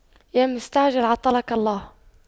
يا مستعجل عطلك الله